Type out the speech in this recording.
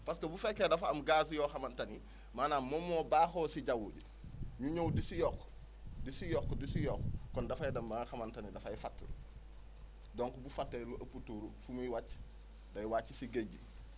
parce que bu fekkee dafa am gaz yoo xamante ni maanaam moom moo baaxoo si jaww bi ñu ñëw di si yokk di si yokk di si yokk kon dafay dem ba nga xamante ni dafay fatt donc bu fattee lu ëpp tuuru fi muy wàcc daywàcc si géej gi